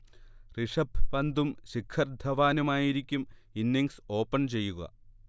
ഋഷഭ് പന്തും ശിഖർ ധവാനുമായിരിക്കും innings open ചെയ്യുക